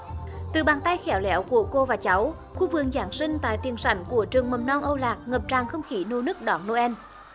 từ bàn tay khéo léo của cô và cháu khu vườn giáng sinh tại tiền sảnh của trường mầm non âu lạc ngập tràn không khí nô nức đón nô en